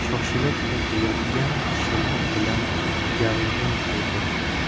shoshilib o'tayotgan kishilar bilan gavjum edi